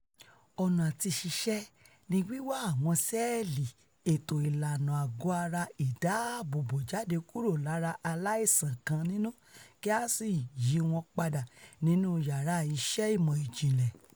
Ọ̀nà àtiṣiṣẹ́ ní wíwa àwọn ṣẹ́ẹ̀lì ètò ìlànà àgọ́-ara ìdáààbòbò jáde kúrò lára aláìsàn kan nínú, kí á sì yíwọn padà nínú yàrá iṣẹ́ ìmọ̀ ìjìnlẹ̀